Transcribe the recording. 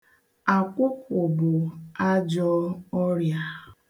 Akwụkwụ bụ ajọọ ọrịa.